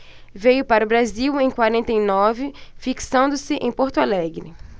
veio para o brasil em quarenta e nove fixando-se em porto alegre